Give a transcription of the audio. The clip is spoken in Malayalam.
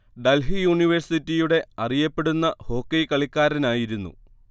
ഡൽഹി യൂണിവേഴ്സിറ്റിയുടെ അറിയപ്പെടുന്ന ഹോക്കി കളിക്കാരനായിരുന്നു